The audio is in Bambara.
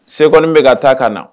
Se kɔni bɛ ka taa ka na